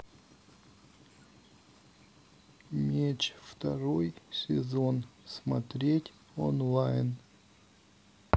меч второй сезон смотреть онлайн